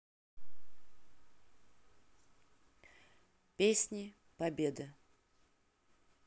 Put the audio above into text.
песни победы